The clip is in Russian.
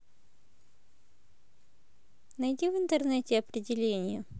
найди в интернете определение